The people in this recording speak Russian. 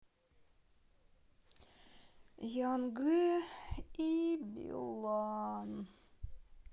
ян гэ и билан